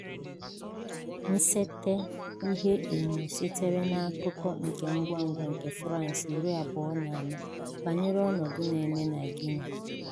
Nsete ihuenyo sitere n'akukọ kengwangwa nke France 24 banyere ọnọdụ na-eme na Guinea.